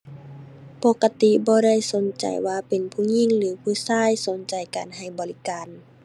ปกติบ่ได้สนใจว่าเป็นผู้หญิงหรือผู้ชาย สนใจการให้บริการ